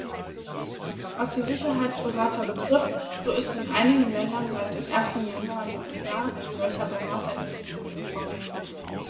Was die Sicherheitsberater betrifft, so ist in einigen Ländern seit dem 1. Januar dieses Jahres ein solcher Berater in den Unternehmen vorgeschrieben.